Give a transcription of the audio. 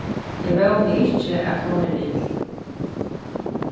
eg vóni ikki at hon er ill